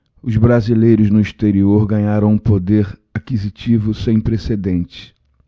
os brasileiros no exterior ganharam um poder aquisitivo sem precedentes